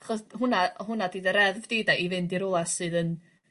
'chos hwnna hwnna 'di dy reddf di 'de i fynd i rwla sydd yn